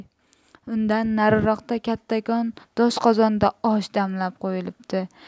undan nariroqda kattakon doshqozonda osh damlab qo'yilibdi